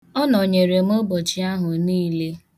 Ọ nọyere m ụbọchị ahụ niile.